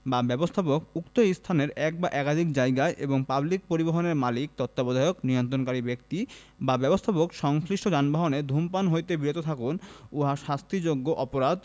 বা ব্যবস্থাপক উক্ত স্থানের এক বা একাধিক জায়গায় এবং পাবলিক পরিবহণের মালিক তত্ত্বাবধায়ক নিয়ন্ত্রণকারী ব্যক্তি বা ব্যবস্থাপক সংশ্লিষ্ট যানবাহনে ধূমপান হইতে বিরত থাকুন উহা শাস্তিযোগ্য অপরাধ